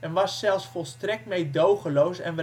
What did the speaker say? was zelfs volstrekt meedogenloos en